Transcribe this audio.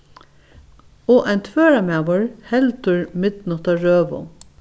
og ein tvøroyrarmaður heldur midnáttarrøðu